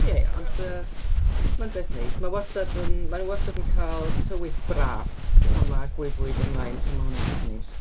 Ia ia, ond yy mae'n beth neis. Mae wastad yn... maen nhw wastad yn cael tywydd braf pan ma' Gwyl Fwyd ymlaen, so ma' hwnna'n beth neis.